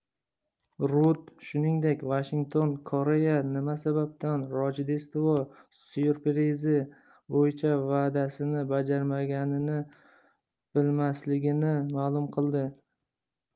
rud shuningdek vashington korea nima sababdan rojdestvo syurprizi bo'yicha va'dasini bajarmaganini bilmasligini ma'lum qildi